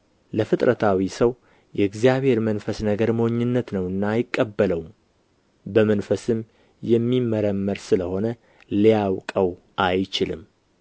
ለፍጥረታዊ ሰው የእግዚአብሔር መንፈስ ነገር ሞኝነት ነውና አይቀበለውም በመንፈስም የሚመረመር ስለ ሆነ ሊያውቀው አይችልም